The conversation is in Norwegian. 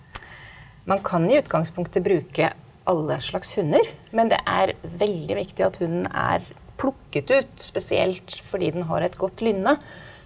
man kan i utgangspunktet bruke alle slags hunder, men det er veldig viktig at hunden er plukket ut spesielt fordi den har et godt lynne.